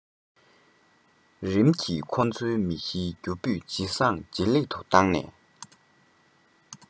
རིམ གྱིས ཁོ ཚོའི མི གཞིའི རྒྱུ སྤུས ཇེ བཟང ཇེ ལེགས སུ བཏང ནས